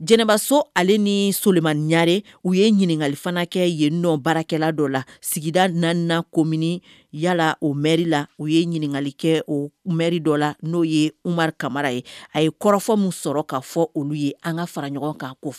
Jɛnɛbaso ale ni solilimayare u ye ɲininkalifanakɛ ye nɔbarakɛla dɔ la sigida4 komini yalala u m la u ye ɲininkali kɛ o mi dɔ la n'o ye uma kamara ye a ye kɔrɔfɔ min sɔrɔ k ka fɔ olu ye an ka fara ɲɔgɔn kan'o fɔ